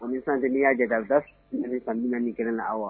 Anmi san kelen y'a jateani san ni gɛlɛn na wa